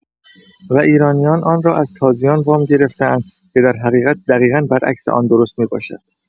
و ایرانیان آن را از تازیان وام گرفته‌اند که در حقیقت دقیقا بر عکس آن درست می‌باشد.